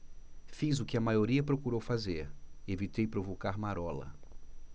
fiz o que a maioria procurou fazer evitei provocar marola